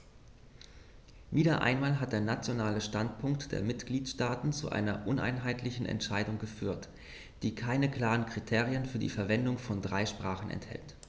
Wieder einmal hat der nationale Standpunkt der Mitgliedsstaaten zu einer uneinheitlichen Entscheidung geführt, die keine klaren Kriterien für die Verwendung von drei Sprachen enthält.